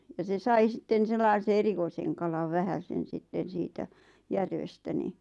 ja se sai sitten sellaisen erikoisen kalan vähäisen sitten siitä järvestä niin